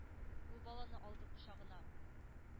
Ул баланы алды кочагына,